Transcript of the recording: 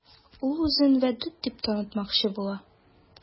Ул үзен Вәдүт дип танытмакчы була.